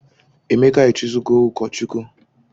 Emeka echizugo ụkọchukwu.